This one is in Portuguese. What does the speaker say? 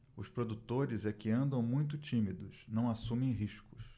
os produtores é que andam muito tímidos não assumem riscos